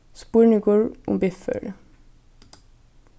spurningur um viðføri